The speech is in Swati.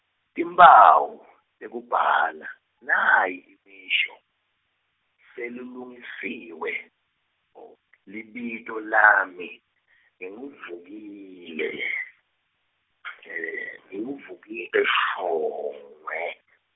timphawu, tekubhala, nayi imisho, selulungisiwe , libito lami, nginguVukile, ngingu Vukile Shongwe.